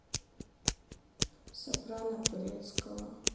сопрано турецкого